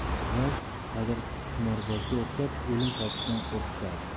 ular sadirqimorbozga o'xshab o'lim topishdan qo'rqishadi